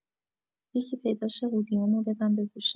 یکی پیدا شه هودی هامو بدم بپوشه